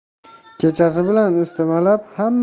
kechasi bilan isitmalab